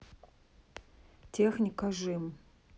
техника жим